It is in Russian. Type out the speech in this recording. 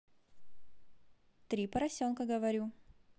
три поросенка говорю